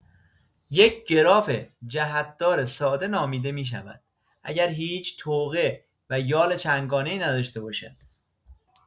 یک گراف جهت‌دار ساده نامیده می‌شود اگر هیچ طوقه و یال چندگانه‌ای نداشته باشد.